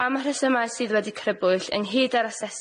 Am rhesyma sydd wedi crybwyll ynghyd â'r asesiad